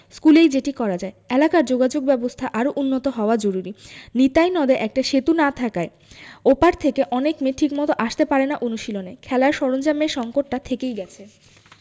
স্কুলেই যেটি করা যায় এলাকার যোগাযোগব্যবস্থা আরও উন্নত হওয়া জরুরি নিতাই নদে একটা সেতু না থাকায় ও পার থেকে অনেক মেয়ে ঠিকমতো আসতে পারে না অনুশীলনে খেলার সরঞ্জামের সংকটটা থেকেই গেছে